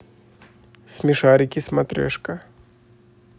смешарики смотрешка